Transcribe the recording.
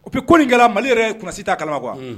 Upi ko nin gɛlɛ mali yɛrɛsi t ta kalama kuwa